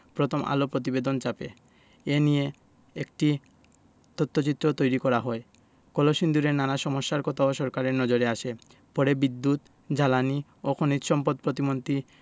প্রথম আলো প্রতিবেদন ছাপে এ নিয়ে একটি তথ্যচিত্রও তৈরি করা হয় কলসিন্দুরের নানা সমস্যার কথাও সরকারের নজরে আসে পরে বিদ্যুৎ জ্বালানি ও খনিজ সম্পদ প্রতিমন্ত্রী